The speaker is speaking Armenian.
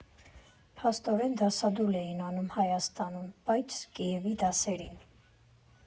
Փաստորեն, դասադուլ էի անում Հայաստանում, բայց Կիևի դասերին։